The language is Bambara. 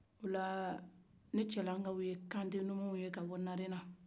ne cɛlankaw ye kante numunw ye ka bɔ narena